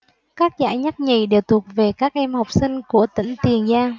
các giải nhất nhì đều thuộc về các em học sinh của tỉnh tiền giang